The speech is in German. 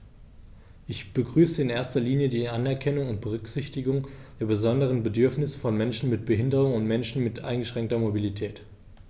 Ich begrüße in erster Linie die Anerkennung und Berücksichtigung der besonderen Bedürfnisse von Menschen mit Behinderung und Menschen mit eingeschränkter Mobilität.